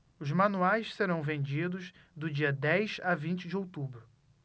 os manuais serão vendidos do dia dez a vinte de outubro